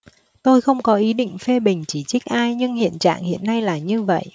tôi không có ý định phê bình chỉ trích ai nhưng hiện trạng hiện nay là như vậy